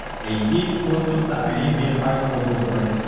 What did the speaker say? Әйтик, космоста Олимпия факелы булып кайтты.